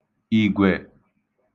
ìgwè